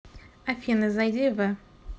афина зайди в